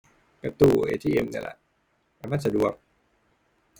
ไปตู้ ATM นั่นล่ะ ถ้ามันสะดวก